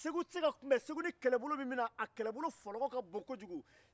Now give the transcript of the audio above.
segu kɛlɛbolo fɔlɔkɔ ka bon kojugu